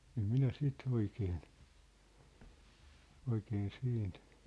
en minä sitä oikein oikein siitä